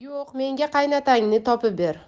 yo'q menga qaynotangni topib ber